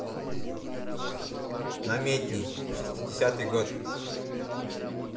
намедни шестидесятый год